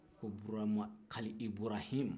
ko burama kali ibrahim